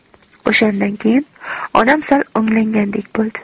o'shandan keyin onam sal o'nglangandek bo'ldi